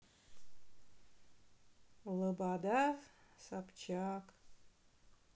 лобода собчак